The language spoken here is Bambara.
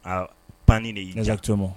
Aa panni de y'i diya.